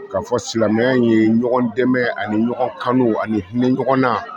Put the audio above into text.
Ka fɔ silamɛya ye ɲɔgɔn dɛmɛ ani ɲɔgɔn kanu ani hinɛ ɲɔgɔn na.